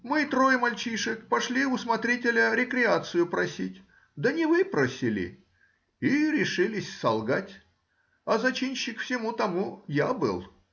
Мы, трое мальчишек, пошли у смотрителя рекреацию просить, да не выпросили и решились солгать, а зачинщик всему тому я был.